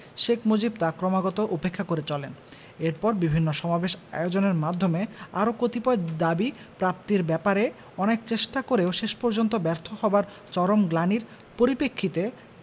শেখ মুজিব তা ক্রমাগত উপেক্ষা করে চলেন এরপর বিভিন্ন সামবেশ আয়োজনের মাধ্যমে আরো কতিপয় দাবী প্রাপ্তির ব্যঅপারে অনেক চেষ্টা করেও শেষ পর্যন্ত ব্যর্থ হবার চরম গ্লানির পরিপ্রেক্ষিতে